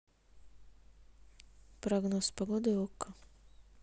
прогноз погоды окко